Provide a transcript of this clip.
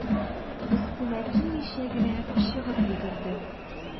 Өстемә кимичә генә чыгып йөгердем.